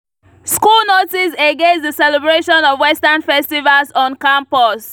School notice against the celebration of Western festivals on campus.